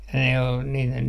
ne oli niiden